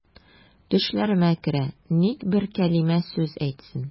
Төшләремә керә, ник бер кәлимә сүз әйтсен.